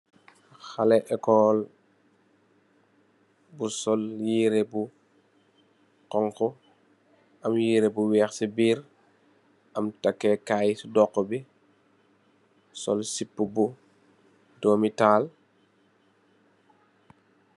Xaleh ecole bu sol terreh bu xonxu am yerre bu wekh si birr amm takekay si doxu bi sol sipu bu domi tall.